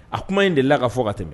A kuma in delila ka fɔ ka tɛmɛ